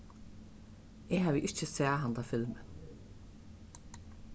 eg havi ikki sæð handan filmin